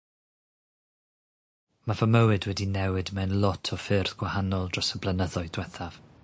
Ma' fy mywyd wedi newid mewn lot o ffyrdd gwahanol dros y blynyddoedd dwethaf.